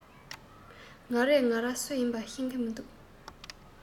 ང རས ང ར སུ ཡིན པ ཤེས གི མི འདུག